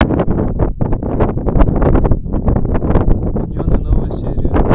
миньоны новая серия